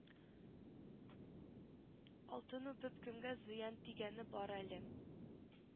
Алтын үбеп кемгә зыян тигәне бар әле